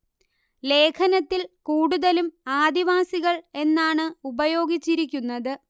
ലേഖനത്തിൽ കൂടുതലും ആദിവാസികൾ എന്നാണ് ഉപയോഗിച്ചിരിക്കുന്നത്